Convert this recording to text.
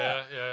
Ie ie.